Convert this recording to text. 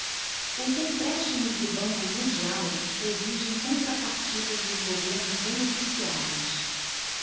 os empréstimos do banco mundial exigem contrapartidas dos governos beneficiados